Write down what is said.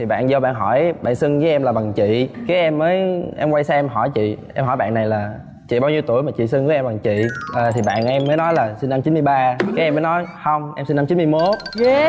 thì bạn vô bạn hỏi bạn xưng với em là bằng chị cái em mới em quay sang em hỏi chị em hỏi bạn này là chị bao nhiêu tuổi mà chị xưng với em là chị thì bạn em mới nói là sinh năm chín mươi ba cái em mới nói không em sinh năm chín mươi mốt